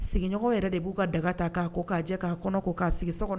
Sigiɲɔgɔn yɛrɛ de b'u ka daga ta k'a ko k'a jɛ k'a kɔnɔ kɔ k'a sigi